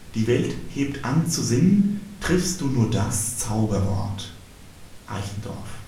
die Welt hebt an zu singen/Triffst Du nur das Zauberwort “(Eichendorff